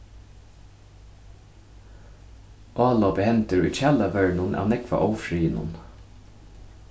álopið hendir í kjalarvørrinum av nógva ófriðinum